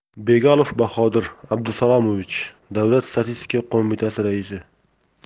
begalov bahodir abdusalomovich davlat statistika qo'mitasi raisi